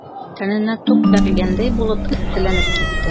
Тәненә ток бәргәндәй булып эсселәнеп китте.